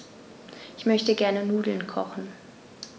Ich möchte gerne Nudeln kochen.